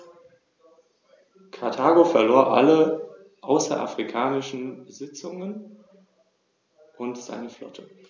Hannibal nahm den Landweg durch das südliche Gallien, überquerte die Alpen und fiel mit einem Heer in Italien ein, wobei er mehrere römische Armeen nacheinander vernichtete.